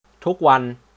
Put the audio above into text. ทุกวัน